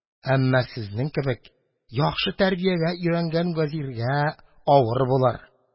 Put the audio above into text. Әмма сезнең кебек яхшы тәрбиягә өйрәнгән вәзиргә авыр булыр.